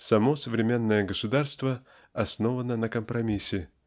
Само современное государство основано на компромиссе